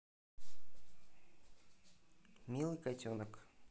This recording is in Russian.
милый котенок